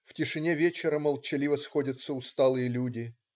В тишине вечера молчаливо сходятся усталые люди.